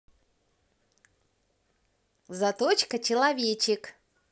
заточка человечек